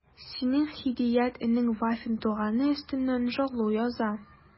Синең Һидият энең Вафин туганы өстеннән жалу яза...